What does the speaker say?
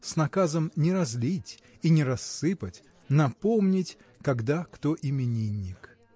с наказом не разлить и не рассыпать – напомнить когда кто именинник.